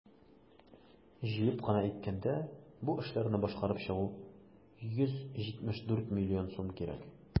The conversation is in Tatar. Җыеп кына әйткәндә, бу эшләрне башкарып чыгуга 174 млн сум кирәк.